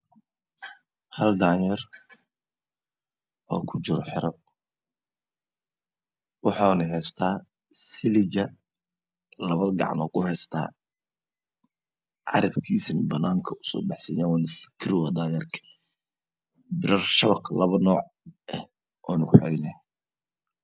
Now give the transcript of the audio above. Hal danyeer Oo Ku jiro xerro wuuna haystaa silig yar labada gacmood bu Ku haystaa carabkiisana banaanku u soo baxasan yahay wuuna fikirooya danyeerka birar shabaq ah labba nooc ah uunba Ku xidhan yahay